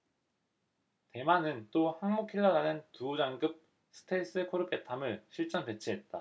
대만은 또 항모킬러라는 두오장급 스텔스 코르벳함을 실전배치했다